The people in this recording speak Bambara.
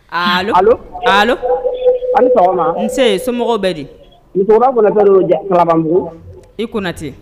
N somɔgɔw bɛ dirababugu i konatɛ